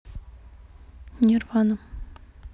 нирвана